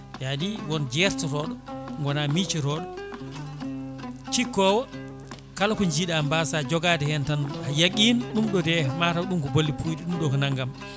yaani won jertotoɗo goona miccotoɗo cikkowo kala ko jiiɗa mbasa jogade hen tan yaaqin ɗum ɗo de mataw ɗum ko bolle puyɗe ɗum ɗo ko naggam